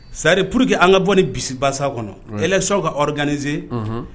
C'est à dire, pour que an ka bɔ ni bisi basa kɔnɔ élection ka organiser Unhun